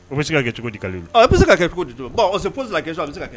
O bɛ se ka kɛ cogo di bɛ se ka kɛ cogo don p bɛ se